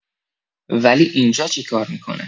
ولی اینجا چیکار می‌کنه؟